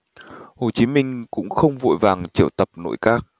hồ chí minh cũng không vội vàng triệu tập nội các